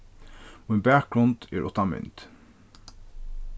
mín bakgrund er uttan mynd